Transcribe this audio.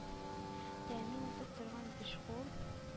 Тәэмин итеп торган биш күл)